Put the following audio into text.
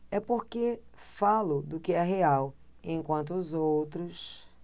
é porque falo do que é real enquanto os outros